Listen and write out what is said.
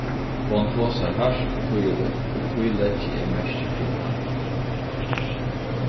hon tosar hart og týðiligt og tí leggi eg merki til hana